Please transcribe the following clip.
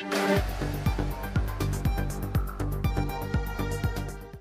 San